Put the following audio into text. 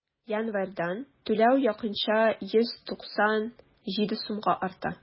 Январьдан түләү якынча 197 сумга арта.